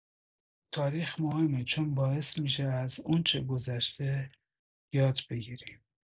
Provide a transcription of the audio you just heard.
تاریخ مهمه چون باعث می‌شه از اونچه گذشته یاد بگیریم.